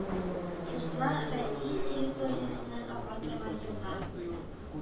Пузла Русия территориясеннән ага торган елга